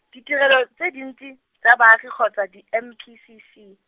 ditirelo tse dintsi, tsa baagi kgotsa di M P C C.